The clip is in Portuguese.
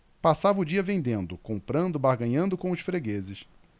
passava o dia vendendo comprando barganhando com os fregueses